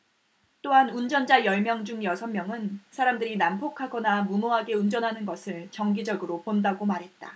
또한 운전자 열 명 중 여섯 명은 사람들이 난폭하거나 무모하게 운전하는 것을 정기적으로 본다고 말했다